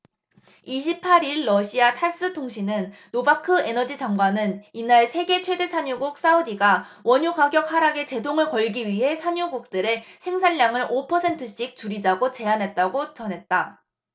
이십 팔 일 러시아 타스 통신은 노바크 에너지장관은 이날 세계 최대 산유국 사우디가 원유가격 하락에 제동을 걸기 위해 산유국들에 생산량을 오 퍼센트씩 줄이자고 제안했다고 전했다